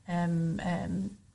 yym yym